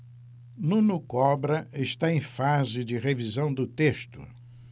nuno cobra está em fase de revisão do texto